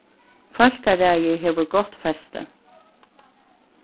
fólkaræðið hevur gott festi